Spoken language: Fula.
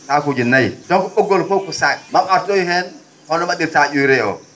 saakuuji nayi tawko ?oggol fof ko sac mawo artoy heen hono mba?irtaa UREE oo